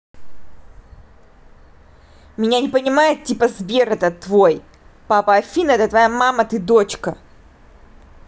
меня не понимают типа сбер это твой папа афина это твоя мама ты дочка